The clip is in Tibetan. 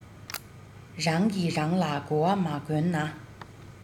རང གི རང ལ གོ བ མ བསྐོན ན